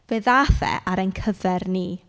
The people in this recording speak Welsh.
Fe ddaeth e ar ein cyfer ni.